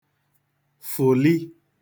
fụ̀li